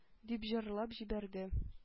- дип җырлап җибәрде.